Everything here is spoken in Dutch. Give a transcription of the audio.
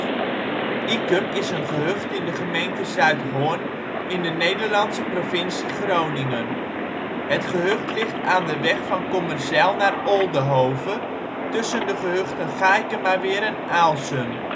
Ikum is een gehucht in de gemeente Zuidhorn in de Nederlandse provincie Groningen. Het gehucht ligt aan de weg van Kommerzijl naar Oldehove, tussen de gehuchten Gaaikemaweer en Aalsum